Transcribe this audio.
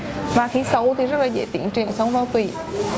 và khi sâu thì rất là dễ tiến triển sâu vào tủy